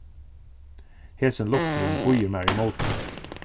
hesin lukturin býður mær ímóti